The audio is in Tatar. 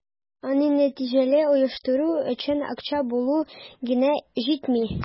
Аны нәтиҗәле оештыру өчен акча бүлү генә җитми.